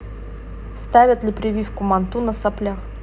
ставят ли прививку манту при соплях